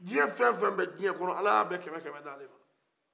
dunuya fɛn o fɛn bɛ dunuya kɔnɔ ala ye a bɛ kɛmɛkɛmɛ di ale ma